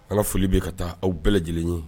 Ala foli bɛ ka taa aw bɛɛ lajɛlen ye